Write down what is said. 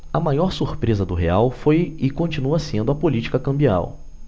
a maior surpresa do real foi e continua sendo a política cambial